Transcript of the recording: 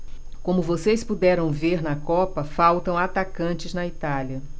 como vocês puderam ver na copa faltam atacantes na itália